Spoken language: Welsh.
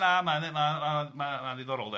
Na na ma'n ma'n ma'n ma'n ma'n ddiddorol de.